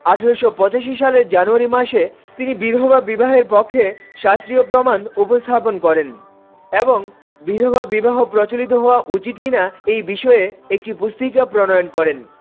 ১৮৮৫ সালের জানুয়ারি মাসে তিনি বিধবা বিবাহের পক্ষে শাস্ত্র প্রমাণ উপস্থাপন করেন এবং বিধবা বিবাহ প্রচলিত হওয়া উচিত কিনা এ বিষয়ে একটা পুস্তিকা প্রণয়ন করেন